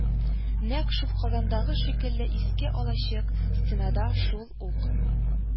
Нәкъ шул Казандагы шикелле иске алачык, стенада шул ук